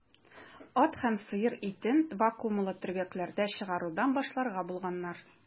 Ат һәм сыер итен вакуумлы төргәкләрдә чыгарудан башларга булганнар.